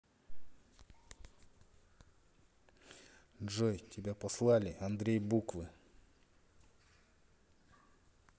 джой тебя послали андрей буквы